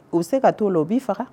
U bɛ se ka t' o la u b' faga